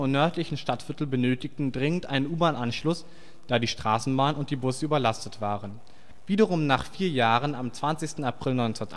nördlichen Stadtviertel benötigten dringend einen U-Bahn-Anschluss, da die Straßenbahn und die Busse überlastet waren. Wiederum nach vier Jahren, am 20. April 1980